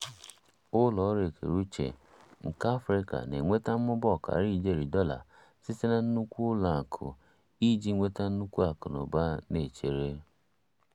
Ụlọ ọrụ ekeere uche nke Africa na-enweta mmụba ọkara ijeri dollar site na nnukwu ụlọ akụ iji nweta nnukwu akụ na ụba na-echere.